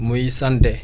muy santé